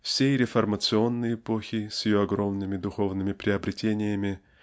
всей реформационной эпохи с ее огромными духовными приобретениями